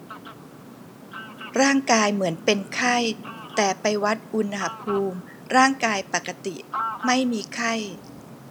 ร่างกายเหมือนเป็นไข้แต่ไปวัดอุณหภูมิร่างกายปกติไม่มีไข้